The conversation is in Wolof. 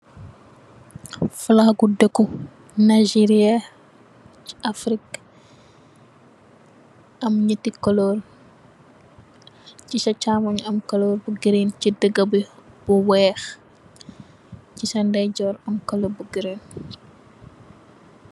Flag gi deku nigeria africa am nyatti color, vi sa chammoy am color bu giriin ci digga bi sa ndeye joor bi am color bu giriin.